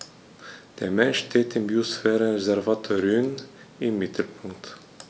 Der Mensch steht im Biosphärenreservat Rhön im Mittelpunkt.